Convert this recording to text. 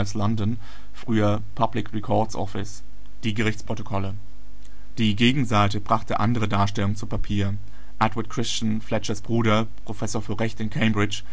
London (früher Public Records Office). Die Gerichtsprotokolle. Die Gegenseite brachte andere Darstellungen zu Papier: Edward Christian, Fletchers Bruder, Professor für Recht in Cambridge